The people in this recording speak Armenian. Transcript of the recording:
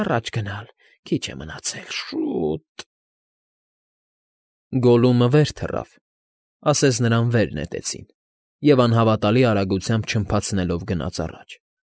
Առաջ գնալ… քիչ է մնացել… Շ֊շ֊շ֊շուտ… Գոլլումը վեր թռավ, ասես նրան վեր նետեցին, և անհավատալի արագությամբ չլմփացնելով գնաց առաջ։